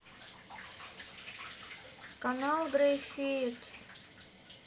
канал грейфит